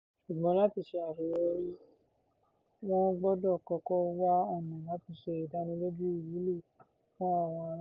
Ṣùgbọ́n, láti ṣe àṣeyọrí, wọ́n gbọdọ̀ kọ́kọ́ wá ọ̀nà láti ṣe ìdánilójú ìwúlò wọn fún àwọn ará-ìlú.